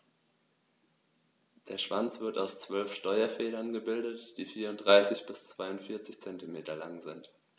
Der Schwanz wird aus 12 Steuerfedern gebildet, die 34 bis 42 cm lang sind.